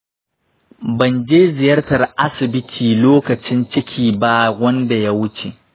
ban je ziyartar asibiti lokacin ciki ba wanda ya wuce.